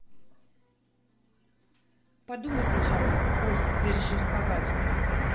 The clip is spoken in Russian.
подумай сначала просто прежде чем сказать